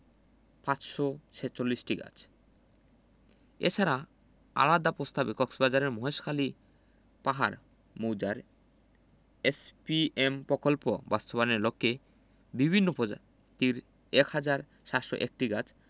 ৫৪৬টি গাছ এছাড়া আলাদা প্রস্তাবে কক্সবাজারের মহেশখালীর পাহাড় মৌজার এসপিএম প্রকল্প বাস্তবায়নের লক্ষ্যে বিভিন্ন প্রজাতির ১ হাজার ৭০১টি গাছ